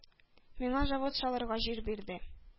Миңа завод салырга җир бирде.